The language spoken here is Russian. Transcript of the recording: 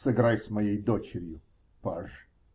-- Сыграй с моей дочерью, паж.